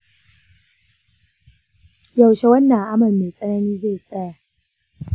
yaushe wannan amai mai tsanani zai tsaya?